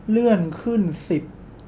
เลื่อนขึ้นสิบ